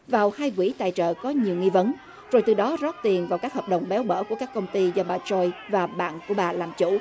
vào hai quỹ tài trợ có nhiều nghi vấn rồi từ đó rót tiền vào các hợp đồng béo bở của các công ty do bà choi và bạn của bà làm chủ